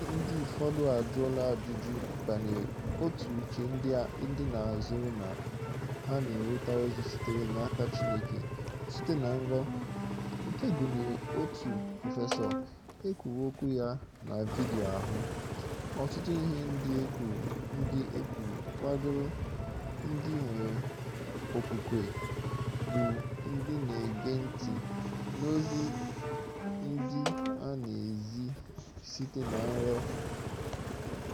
Ebe ndị ụfọdụ ajụọla ajụjụ banyere otu uche ndị na-azọrọ na ha na-enweta ozi sitere n'aka Chineke site na nrọ, nkegụnyere otu prọfesọ e kwuru okwu ya na vidiyo ahụ, ọtụtụ ihe ndị e kwuru kwadoro ndị nwere okwukwe bụ ndị na-ege ntị n'ozi ndị a na-ezi site na nrọ.